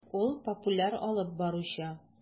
Ул - популяр алып баручы.